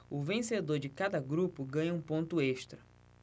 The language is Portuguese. o vencedor de cada grupo ganha um ponto extra